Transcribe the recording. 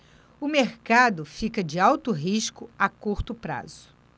o mercado fica de alto risco a curto prazo